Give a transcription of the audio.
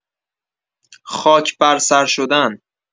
خاک بر سر شدن